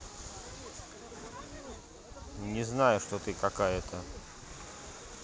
не знаю что ты какая то